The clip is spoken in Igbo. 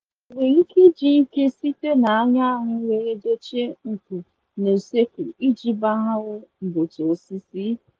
"E nwere ike iji ike sitere n'anywanụ were dochịe nkụ n'ụsekwu iji gbanahụ mgbutu osisi?"